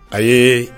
Ayi